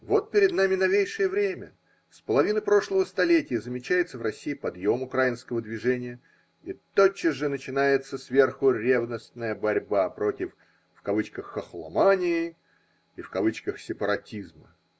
Вот перед нами новейшее время: с половины прошлого столетия замечается в России подъем украинского движения – и тотчас же начинается сверху ревностная борьба против в ковычках хохломании и в ковычках сепаратизма.